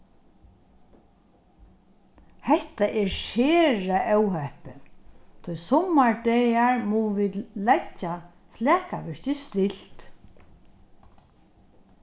hetta er sera óheppið tí summar dagar mugu vit leggja flakavirkið stilt